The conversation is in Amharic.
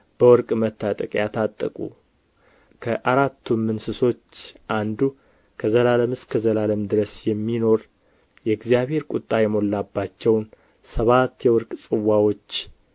በወርቅ መታጠቂያ ታጠቁ ከአራቱም እንስሶች አንዱ ከዘላለም እስከ ዘላለም ድረስ የሚኖር የእግዚአሔር ቍጣ የሞላባቸውን ሰባት የወርቅ ጽዋዎች